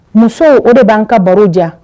Muso o de b bɛ'an ka baro diya